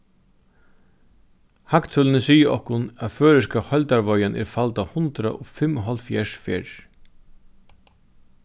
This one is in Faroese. hagtølini siga okkum at føroyska heildarveiðan er faldað hundrað og fimmoghálvfjerðs ferðir